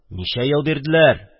– ничә ел бирделәр?